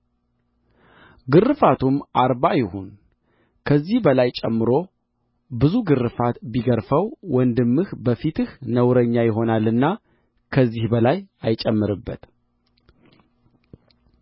ግርፋቱም አርባ ይሁን ከዚህ በላይ ጨምሮ ብዙ ግርፋት ቢገርፈው ወንድምህ በፊትህ ነውረኛ ይሆናልና ከዚህ በላይ አይጨመርበት